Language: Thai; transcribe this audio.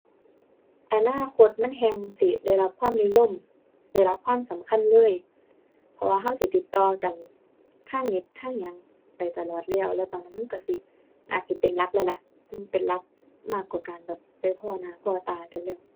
อนาคตมันแฮ่งสิได้รับความนิยม ได้รับความสำคัญเลย เพราะว่าเราสิติดต่อกันทางเน็ตทางหยังไปตลอดแล้ว แล้วตอนนั้นมันเราสิ น่าสิเป็นหลักแล้วล่ะ อือ เป็นหลัก มากกว่าการแบบไปพ้อหน้าพ้อตากันแล้ว